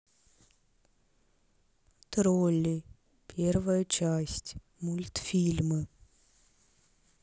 тролли первая часть мультфильмы